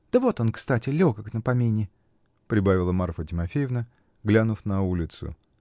Да вот он, кстати, легок на помине, -- прибавила Марфа Тимофеевна, глянув на улицу.